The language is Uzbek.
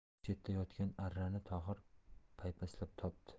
bir chetda yotgan arrani tohir paypaslab topdi